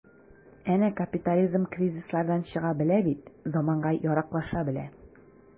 Әнә капитализм кризислардан чыга белә бит, заманга яраклаша белә.